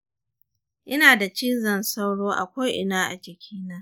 ina da cizon sauro a ko'ina a jikina